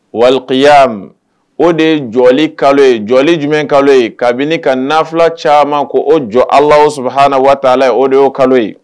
Waliya o de ye jɔli kalo ye jɔli jumɛn kalo ye kabini ka naula caman ko o jɔ ala su hana waati ye o de y' kalo ye